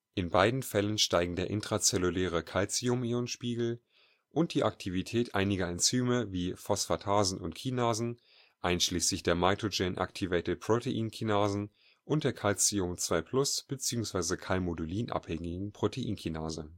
In beiden Fällen steigen der intrazelluläre Calciumionenspiegel und die Aktivität einiger Enzyme wie Phosphatasen und Kinasen (einschließlich der mitogen-activated-protein-Kinasen und der Ca2+/Calmodulin-abhängigen Proteinkinase